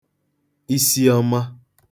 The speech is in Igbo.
isi ọma